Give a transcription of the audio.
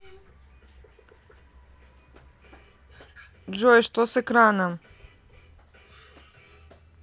джой что с экраном